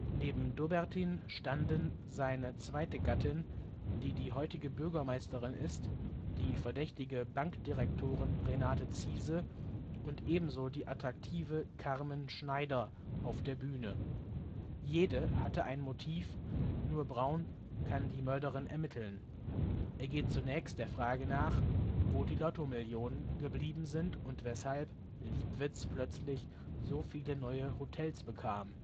Neben Dobertin standen seine zweite Gattin, die die heutige Bürgermeisterin ist, die verdächtige Bankdirektorin Renate Ziese und ebenso die attraktive Carmen Schneider auf der Bühne. Jede hatte ein Motiv, nur Braun kann die Mörderin ermitteln. Er geht zunächst der Frage nach, wo die Lottomillionen geblieben sind und weshalb Liebwitz plötzlich so viele neue Hotels bekam